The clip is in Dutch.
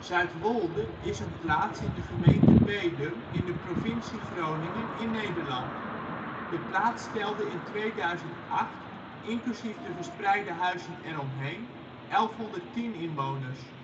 Zuudwòl) is een plaats in de gemeente Bedum in de provincie Groningen in Nederland. De plaats telde in 2008 inclusief de verspreide huizen eromheen 1110 inwoners.